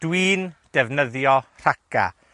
Dwi'n defnyddio rhaca.